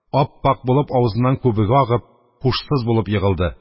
Ап-ак булып авызыннан күбеге агып, һушсыз булып егылды